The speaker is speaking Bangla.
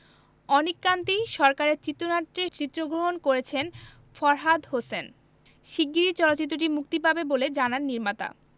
অনিক কান্তি সরকারের চিত্রনাট্যে চিত্রগ্রহণ করেছেন ফরহাদ হোসেন শিগগিরই চলচ্চিত্রটি মুক্তি পাবে বলে জানান নির্মাতা